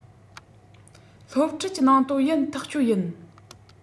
སློབ ཁྲིད ཀྱི ནང དོན ཡིན ཐག ཆོད ཡིན